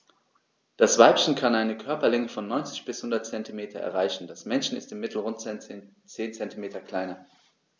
Das Weibchen kann eine Körperlänge von 90-100 cm erreichen; das Männchen ist im Mittel rund 10 cm kleiner.